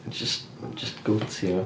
Jyst ma'... jyst goatee fo.